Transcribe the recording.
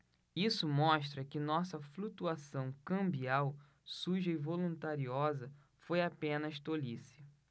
isso mostra que nossa flutuação cambial suja e voluntariosa foi apenas tolice